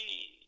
cham